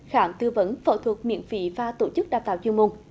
khám tư vấn phẫu thuật miễn phí và tổ chức đào tạo chuyên môn